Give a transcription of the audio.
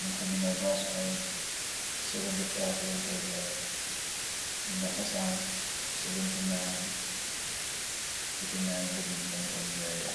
ñu fo bina gaas al 7f lañ koy jaaye bina essence s- batut lañ koy jaaye